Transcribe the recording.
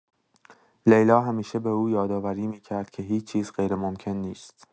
لیلا همیشه به او یادآوری می‌کرد که هیچ‌چیز غیرممکن نیست.